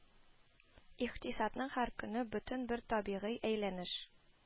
Икътисадының һәр көне бөтен бер табигый әйләнеш